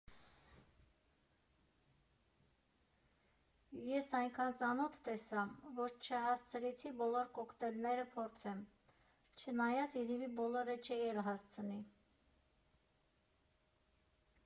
Ես էնքան ծանոթ տեսա, որ չհասցրեցի բոլոր կոկտեյլները փորձեմ, չնայած երևի բոլորը չէի էլ հասցնի…